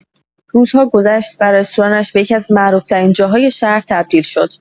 روزها گذشت و رستورانش به یکی‌از معروف‌ترین جاهای شهر تبدیل شد.